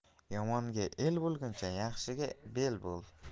yomonga el bo'lguncha yaxshiga bel bo'l